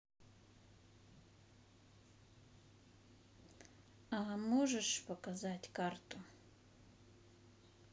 а можешь показать карту